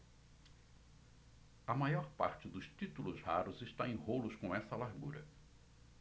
a maior parte dos títulos raros está em rolos com essa largura